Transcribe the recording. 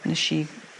nesh i